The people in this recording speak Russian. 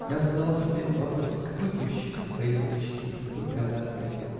Я задавал себе вопросы: какой ямщик поедет в бричке и какой в коляске?